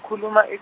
khuluma ek-.